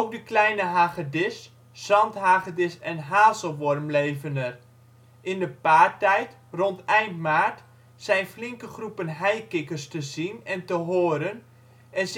de kleine hagedis, zandhagedis en hazelworm leven er. In de paartijd, rond eind maart, zijn flinke groepen heikikkers te zien en te horen en